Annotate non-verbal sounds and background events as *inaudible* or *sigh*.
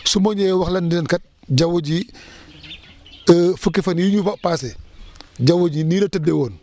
su ma ñëwee wax leen ne leen kat jaww ji *breath* *hesitation* fukki fan yi ñu passé jaww ji nii la tëddee woon